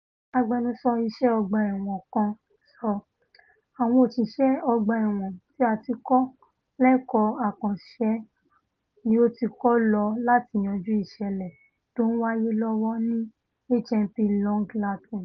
Agbẹnusọ Ìṣẹ́ Ọgbà-ẹ̀wọ̀n kan sọ: ''Àwọn òṣìṣẹ́ ọgbà-ẹ̀wọn tí a ti kọ́ lẹ́kọ̀ọ́ àkànṣ̵e ní a ti kó lọ láti yanjú ìṣẹ̀lẹ̀ tó ńwáyé lọ́wọ́ ní HMP Long Lartin.